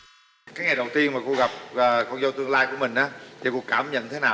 cái ngày đầu tiên mà cô gặp con dâu tương lai của mình á thì cô cảm nhận thế nào